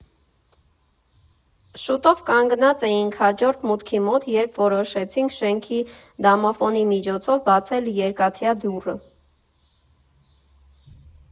Շուտով կանգնած էինք հաջորդ մուտքի մոտ, երբ որոշեցինք շենքի դոմոֆոնի միջոցով բացել երկաթյա դուռը։